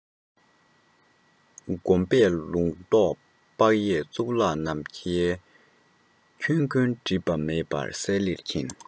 བསྒོམ པས ལུང རྟོགས དཔག ཡས གཙུག ལག ནམ མཁའི ཁྱོན ཀུན སྒྲིབ པ མེད པར གསལ ལེར མཁྱེན